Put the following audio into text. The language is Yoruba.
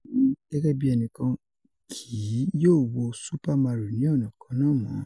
Emi, gẹgẹbi ẹnikan, kii yoo wo Super Mario ni ọna kanna mọ.